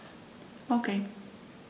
Okay.